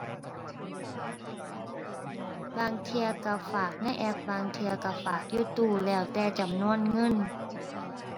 บางเที่ยก็ฝากในแอป บางเที่ยก็ฝากอยู่ตู้ แล้วแต่จำนวนเงิน